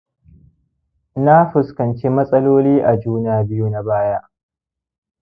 na fuskanci matsaloli a juna biyu na baya